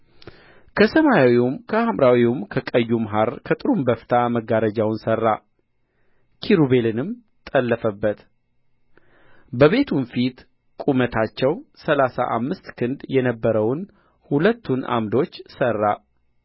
ከሰማያዊውም ከሐምራዊውም ከቀዩም ሐር ከጥሩም በፍታ መጋረጃውን ሠራ ኪሩቤልንም ጠለፈበት በቤቱም ፊት ቁመታቸው ሠላሳ አምስት ክንድ የነበረውን ሁለቱን ዓምዶች ሠራ